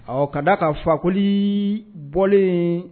Ɔ ka da ka fakoli bɔlen